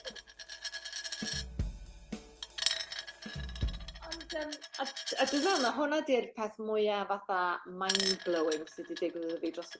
Ond yym a d- a dwi meddwl ma' honno 'di'r peth mwya fatha mind blowing sy 'di digwydd i fi dros y